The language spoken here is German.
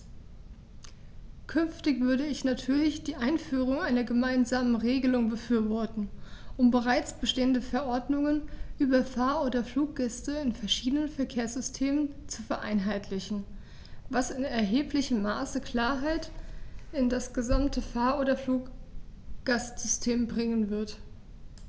Künftig würde ich natürlich die Einführung einer gemeinsamen Regelung befürworten, um bereits bestehende Verordnungen über Fahr- oder Fluggäste in verschiedenen Verkehrssystemen zu vereinheitlichen, was in erheblichem Maße Klarheit in das gesamte Fahr- oder Fluggastsystem bringen wird.